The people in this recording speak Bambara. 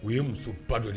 U ye muso ba dɔ de ye